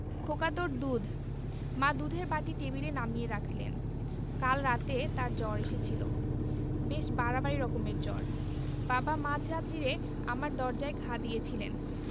খোকা তোর দুধ মা দুধের বাটি টেবিলে নামিয়ে রাখলেন কাল রাতে তার জ্বর এসেছিল বেশ বাড়াবাড়ি রকমের জ্বর বাবা মাঝ রাত্তিরে আমার দরজায় ঘা দিয়েছিলেন